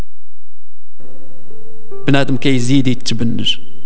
بنات مكياج